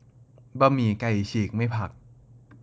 บะหมี่ไก่ฉีกไม่ผัก